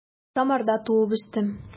Самарда туып үстем.